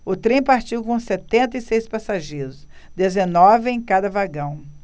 o trem partiu com setenta e seis passageiros dezenove em cada vagão